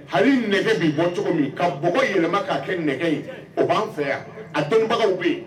Hali nɛgɛ bi bɔ cogo min, ka bɔgɔ yɛlɛma ka kɛ nɛgɛ ye o ban fɛ yan . A dɔnnibagaw be yen.